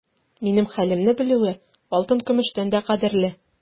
Минем хәлемне белүе алтын-көмештән дә кадерле.